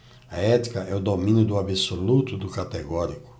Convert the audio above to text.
a ética é o domínio do absoluto do categórico